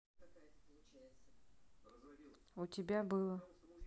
у тебя было